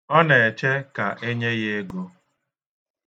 Ọ na-eche ka e nye ya ego.